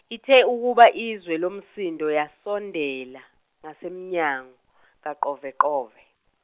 ithe ukuba izwe lomsindo yasondela, ngasemnyango kaQoveqove.